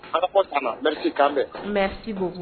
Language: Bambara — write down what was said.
A la foyi ta la. Merci kan bɛn. Merci beaucoup